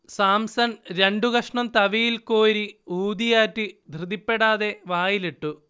സാംസൺ രണ്ടു കഷണം തവിയിൽ കോരി ഊതിയാറ്റി ധൃതിപ്പെടാതെ വായിലിട്ടു